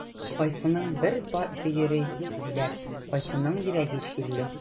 Кайсының бер бөере юк диләр, кайсының йөрәге чирле.